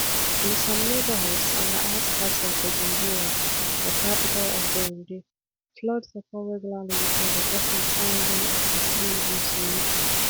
In some neighbourhoods on the outskirts of Bujumbura, the capital of Burundi, floods occur regularly without the government finding a sustainable solution.